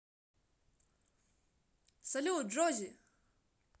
салют джоззи